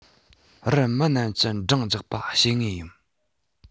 རུ མི རྣམས ཀྱིས འགྲངས རྒྱག པ བྱེད ངེས ཡིན